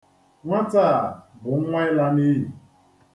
Nwata a bụ nnwa ila n'iyi.